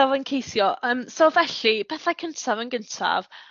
byddaf yn ceisio yym so felly petha cyntaf yn gyntaf